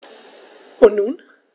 Und nun?